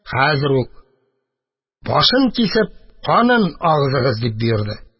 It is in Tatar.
Хәзер үк башын кисеп, канын агызыгыз, – дип боерды.